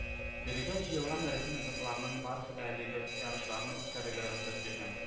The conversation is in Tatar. Бирегә җыелган рәсми затларның барысы да әлеге ярышларны үткәрергә рөхсәт биргән